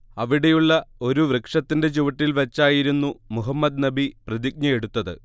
അവിടെയുള്ള ഒരു വൃക്ഷത്തിന്റെ ചുവട്ടിൽ വെച്ചായിരുന്നു മുഹമ്മദ് നബി പ്രതിജ്ഞയെടുത്തത്